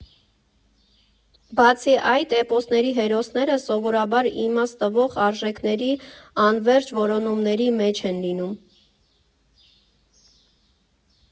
Բացի այդ, էպոսների հերոսները սովորաբար իմաստ տվող արժեքների անվերջ որոնումների մեջ են լինում։